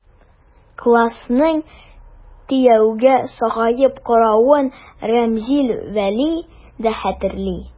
КПССның ТИҮгә сагаеп каравын Римзил Вәли дә хәтерли.